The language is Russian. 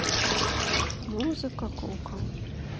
музыка кукол